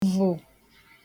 vụ̀